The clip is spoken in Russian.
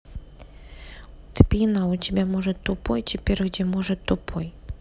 ты пьяна у тебя может тупой теперь где может тупой